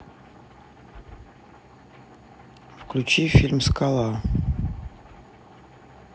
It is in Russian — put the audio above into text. включи фильм скала